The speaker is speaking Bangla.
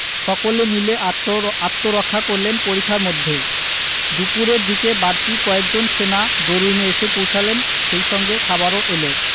সকলে মিলে আত্মরক্ষা করলেন পরিখার মধ্যে দুপুরের দিকে বাড়তি কয়েকজন সেনা দরুইনে এসে পৌঁছালেন সেই সঙ্গে খাবারও এলো